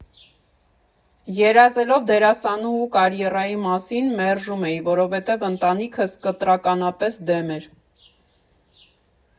Երազելով դերասանուհու կարիերայի մասին՝ մերժում էի, որովհետև ընտանիքս կտրականապես դեմ էր։